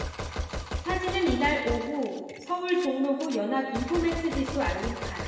사진은 이날 오후 서울 종로구 연합인포맥스 지수 알림판